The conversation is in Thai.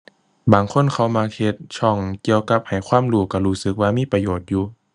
บางคนเขามักเฮ็ดช่องเกี่ยวกับให้ความรู้ ก็รู้สึกว่ามีประโยชน์อยู่